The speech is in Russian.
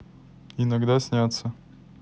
иногда снятся